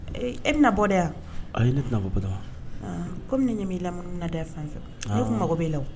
E e bɛna na bɔ de wa? Ayi ne tɛna bɔ Batɔma. An komi ne ɲɛ b'i la munumunu na da fanfɛ. Aan. Ne tun mago bɛ e la o